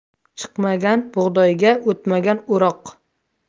chiqmagan bug'doyga o'tmagan o'roq